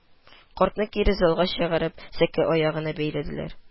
Картны кире залга чыгарып сәке аягына бәйләделәр